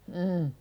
niin